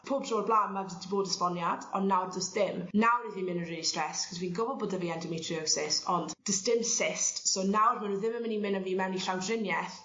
pob tro o'r bla'n ma' 'di bod esboniad on' nawr do's dim nawr 'yf fi'n myn' yn rili stressed 'c'os fi'n gwbo bo' 'dy fi endometriosis ond do's dim cyst so nawr ma' n'w ddim yn myn' i myn' â fi i mewn i llawndrinieth